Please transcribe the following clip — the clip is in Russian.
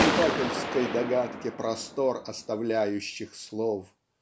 читательской догадке простор оставляющих слов